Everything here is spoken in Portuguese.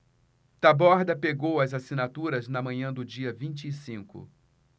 taborda pegou as assinaturas na manhã do dia vinte e cinco